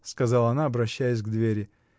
— сказала она, обращаясь к двери.